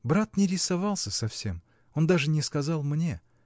Брат не рисовался совсем, он даже не сказал мне.